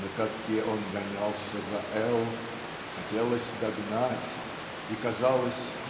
"На катке он гонялся за Л. хотелось догнать и казалось